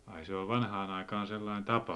ai se oli vanhaan aikaan sellainen tapa